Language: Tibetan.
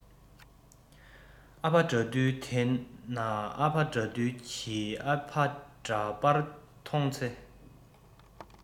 ཨ ཕ དགྲ འདུལ དེ ན ཨ ཕ དགྲ འདུལ གྱི ཨ ཕ ཡི འདྲ པར སྟེང ཚེ